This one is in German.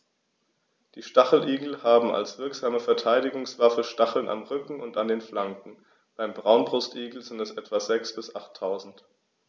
Die Stacheligel haben als wirksame Verteidigungswaffe Stacheln am Rücken und an den Flanken (beim Braunbrustigel sind es etwa sechs- bis achttausend).